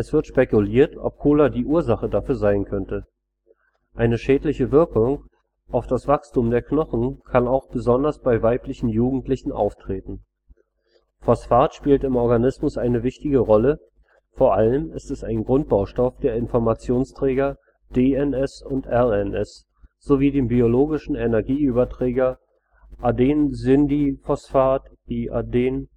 wird spekuliert ob Cola die Ursache dafür sein könnte. Eine schädliche Funktion auf das Wachstum der Knochen kann auch besonders bei weiblichen Jugendlichen auftreten. Phosphat spielt im Organismus eine wichtige Rolle, vor allem ist es ein Grundbaustoff der Informationsträger DNS und RNS sowie dem biologischen Energieüberträger Adenosindiphosphat/Adenosintriphosphat. Ein